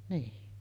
niin